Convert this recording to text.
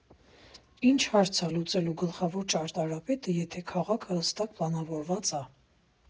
Ինչ հարց ա լուծելու գլխավոր ճարտարապետը, եթե քաղաքը հստակ պլանավորված ա։